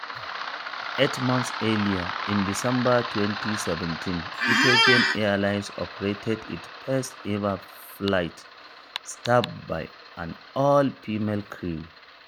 Eight months earlier, in December 2017, Ethiopian Airlines operated its first ever flight staffed by an all-female crew.